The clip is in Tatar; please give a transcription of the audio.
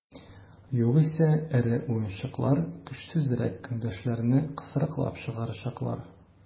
Югыйсә эре уенчылар көчсезрәк көндәшләрне кысрыклап чыгарачаклар.